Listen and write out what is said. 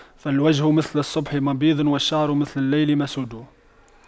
فالوجه مثل الصبح مبيض والشعر مثل الليل مسود